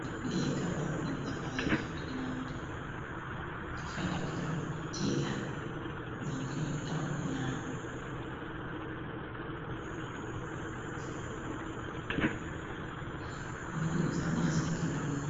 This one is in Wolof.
Lii kafe buñ defaree xobi limong. Kafe lakom tea la dañ koy togu naan.